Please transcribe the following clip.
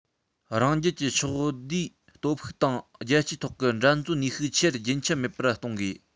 རང རྒྱལ གྱི ཕྱོགས བསྡུས སྟོབས ཤུགས དང རྒྱལ སྤྱིའི ཐོག གི འགྲན རྩོད ནུས ཤུགས ཆེ རུ རྒྱུན ཆད མེད པར གཏོང དགོས